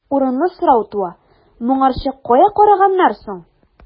Урынлы сорау туа: моңарчы кая караганнар соң?